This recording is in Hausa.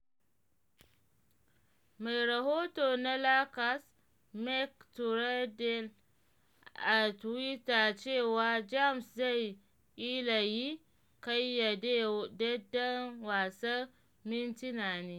Mai rahoto na Lakers Mike Trudell a Twitter cewa James zai kila yi kayyadedden wasan mintina ne.